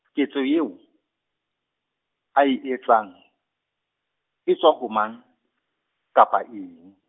ketso eo, a e etsang, e etswa ho mang, kapa eng?